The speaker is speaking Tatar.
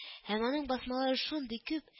Һәм аның басмалары шундый күп